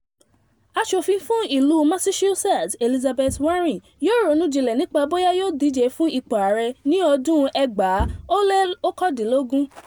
Aṣòfin fún ìlú Massachusetts Elizabeth Warren yóò ronú jinlẹ̀ nípa bóyá yóò díje fún ipò ààrẹ ní ọdún 2021